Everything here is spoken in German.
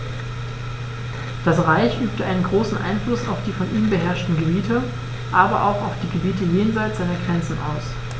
Das Reich übte einen großen Einfluss auf die von ihm beherrschten Gebiete, aber auch auf die Gebiete jenseits seiner Grenzen aus.